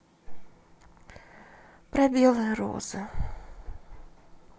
про белые розы